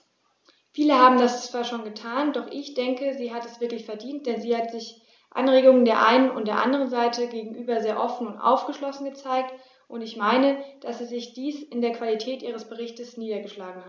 Viele haben das zwar schon getan, doch ich denke, sie hat es wirklich verdient, denn sie hat sich Anregungen der einen und anderen Seite gegenüber sehr offen und aufgeschlossen gezeigt, und ich meine, dass sich dies in der Qualität ihres Berichts niedergeschlagen hat.